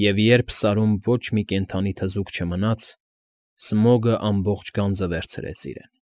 Եվ երբ Սարում ոչ մի կենդանի թզուկ չմնաց, Սմոգը ամբողջ գանձը վերցրեց իրեն։